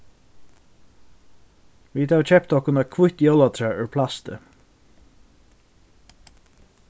vit hava keypt okkum eitt hvítt jólatræ úr plasti